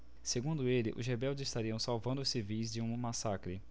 segundo ele os rebeldes estariam salvando os civis de um massacre